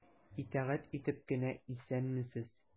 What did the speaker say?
Итагать итеп кенә:— Исәнмесез!